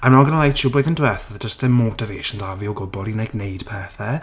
I'm not gonna lie to you blwyddyn diweth- oedd jyst dim motivation 'da fi o gwbl i like wneud pethau.